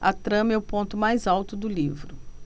a trama é o ponto mais alto do livro